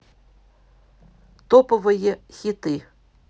топовые хиты